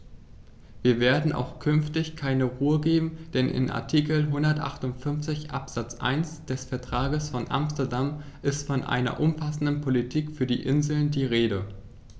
Wir werden auch künftig keine Ruhe geben, denn in Artikel 158 Absatz 1 des Vertrages von Amsterdam ist von einer umfassenden Politik für die Inseln die Rede.